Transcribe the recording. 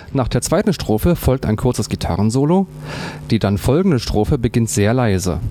Nach der zweiten Strophe folgt ein kurzes Gitarrensolo; die dann folgende Strophe beginnt sehr leise